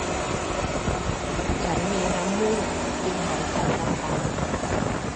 ฉันมีน้ำมูกจึงหายใจลำบาก